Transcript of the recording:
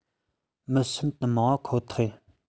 མི ཤིན ཏུ མང པ ཁོ ཐག ཡིན